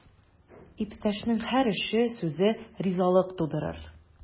Иптәшеңнең һәр эше, сүзе ризалык тудырыр.